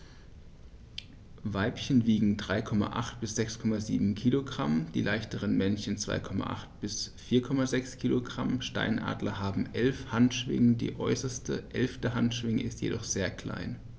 Weibchen wiegen 3,8 bis 6,7 kg, die leichteren Männchen 2,8 bis 4,6 kg. Steinadler haben 11 Handschwingen, die äußerste (11.) Handschwinge ist jedoch sehr klein.